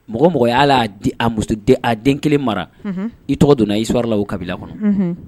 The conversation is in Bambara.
Mɔgɔ mɔgɔ alaa a muso a den kelen mara i tɔgɔ donna iwarala kabila kɔnɔ